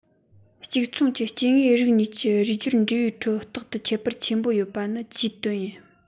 གཅིག མཚུངས ཀྱི སྐྱེ དངོས རིགས གཉིས ཀྱི རེས སྦྱོར འབྲས བུའི ཁྲོད རྟག ཏུ ཁྱད པར ཆེན པོ ཡོད པ ནི ཅིའི དོན ཡིན